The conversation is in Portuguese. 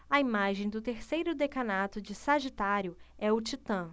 a imagem do terceiro decanato de sagitário é o titã